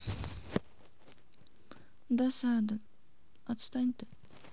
досада отстань ты